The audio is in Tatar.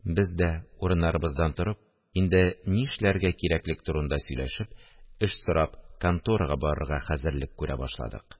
Без дә урыннарыбыздан торып, инде нишләргә кирәклек турында сөйләшеп, эш сорап конторага барырга хәзерлек күрә башладык